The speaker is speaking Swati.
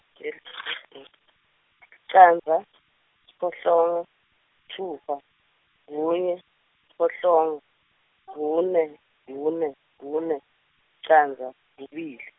candza siphohlongo sitfupha kunye siphohlongo kune kune kune licandza kubili.